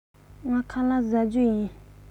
ངས ཁ ལག བཟས མེད